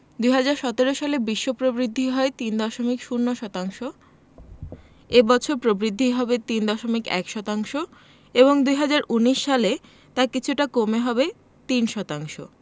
২০১৭ সালে বিশ্ব প্রবৃদ্ধি হয় ৩.০ শতাংশ এ বছর প্রবৃদ্ধি হবে ৩.১ শতাংশ এবং ২০১৯ সালে তা কিছুটা কমে হবে ৩.০ শতাংশ